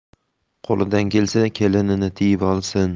qo'lidan kelsa kelinini tiyib olsin